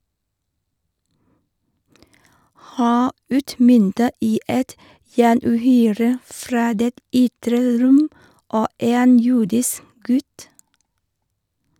Her utmyntet i et jernuhyre fra det ytre rom og en jordisk gutt.